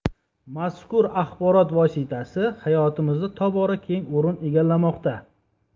mazkur axborot vositasi hayotimizda tobora keng o'rin egallamoqda